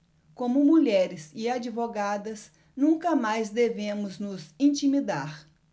como mulheres e advogadas nunca mais devemos nos intimidar